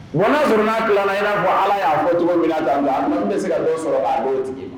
Mɔnurun' tilalay fɔ ala y'a fɔ cogo min danbila bɛ se ka dɔ sɔrɔ a'otigi